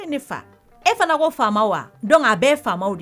E ne fa, e fana ko faamaw wa, donc , a bɛɛ ye faamaw de ye